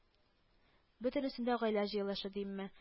Бөтенесен дә гаилә җыелышы димме